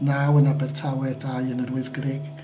Naw yn Abertawe a dau yn yr Wyddgrug.